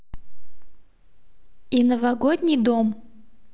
и новогодний дом